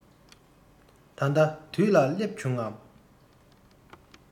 ད ལྟ དུས ལ བསླེབས བྱུང ངམ